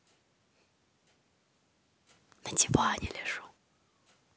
на диване лежу